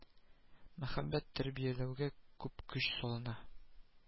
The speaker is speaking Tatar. Мәхәббәт тәрбияләүгә күп көч салына